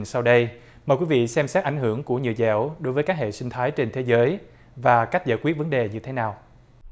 sau đây mời quý vị xem xét ảnh hưởng của nhờ giáo đối với các hệ sinh thái trên thế giới và cách giải quyết vấn đề như thế nào